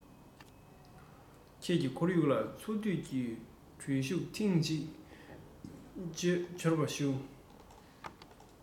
ཁྱེད ཀྱི ཁོར ཡུག ལ འཚོལ སྡུད ཀྱི འགྲུལ བཞུད ཐེངས ཤིག བྱེད ཆོག པར ཞུ